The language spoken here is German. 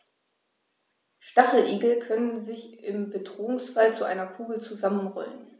Stacheligel können sich im Bedrohungsfall zu einer Kugel zusammenrollen.